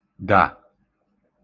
-dà